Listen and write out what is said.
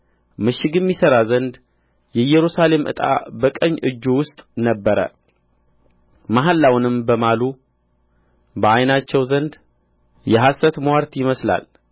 ምሽግም ይሠራ ዘንድ የኢየሩሳሌም ዕጣ በቀኝ እጁ ውስጥ ነበረ መሐላውንም በማሉ በዓይናቸው ዘንድ የሐሰት ምዋርት ይመስላል